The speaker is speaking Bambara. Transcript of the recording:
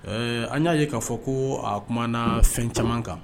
Ɛɛ an y'a ye k'a fɔ ko a tumaumana na fɛn caman kan